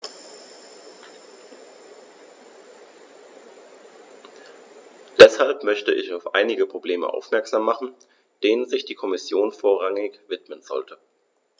Deshalb möchte ich auf einige Probleme aufmerksam machen, denen sich die Kommission vorrangig widmen sollte.